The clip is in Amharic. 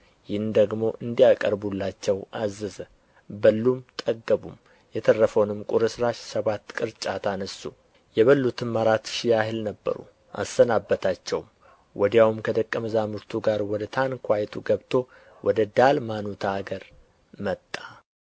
ይህንም ደግሞ እንዲያቀርቡላቸው አዘዘ በሉም ጠገቡም የተረፈውንም ቍርስራሽ ሰባት ቅርጫት አነሡ የበሉትም አራት ሺህ ያህል ነበሩ አሰናበታቸውም ወዲያውም ከደቀ መዛሙርቱ ጋር ወደ ታንኳይቱ ገብቶ ወደ ዳልማኑታ አገር መጣ